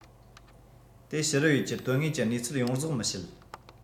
དེ ཕྱི རོལ ཡུལ གྱི དོན དངོས ཀྱི གནས ཚུལ ཡོངས རྫོགས མི བྱེད